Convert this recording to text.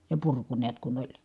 ja purku näet kun oli